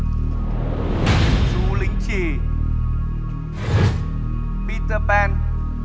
chú lính chì bi tơ pen